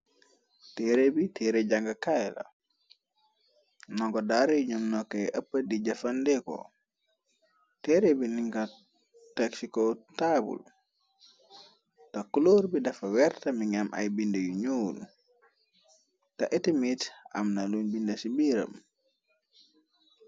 Teere bi teere jànga kayla nungo daarey ñuom nokke ëpp di jëfandeeko teere bi ninga tak sikow taabul te kuloor bi dafa weerta mingi am ay bindi yu ñoowul te it tamit amna lunj bindi ci biiram.